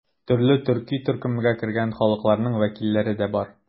Төрле төрки төркемгә кергән халыкларның вәкилләре дә бар.